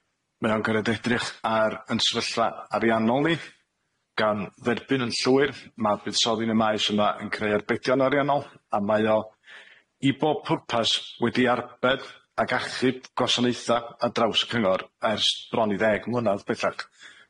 Mae o'n gorod edrych ar yn sefyllfa ariannol ni gan dderbyn yn llwyr ma' buddsoddi yn y maes yma yn creu arbedion ariannol a mae o i bob pwrpas wedi arbed ag achub gwasanaetha ar draws cyngor ers bron i ddeg mlynadd bellach.